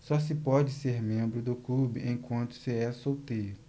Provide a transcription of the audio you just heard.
só se pode ser membro do clube enquanto se é solteiro